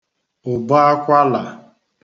ùbọakwalà